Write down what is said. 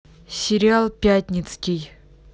сериал пятницкий